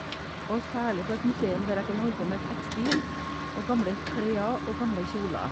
Og særlig på et museum der jeg kan holde på med tekstil og gamle kj klær og gamle kjoler.